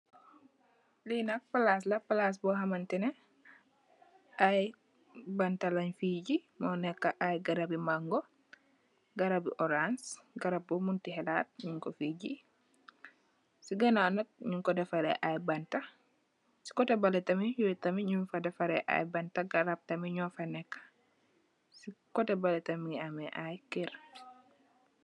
Fi nak palas la, palas bo xamanteni ay banta lèèn fi gi, mu nèkka ay garap bi mango, garap bi orans, garap bo manti xelat ñing ko fi gi. Ci ganaw nak ñing ko defaree ay banta, ci koteh baleh tamid yoy tam ñing fa def ay banta garap ño fa nekka. Ci koteh baleh tamid mugii ameh ay kèr.